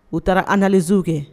U taara andazo kɛ